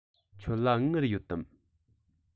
ཁྱོད ལ དངུལ ཡོད དམ